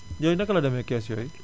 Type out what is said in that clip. yooyu naka la demee kees yooyu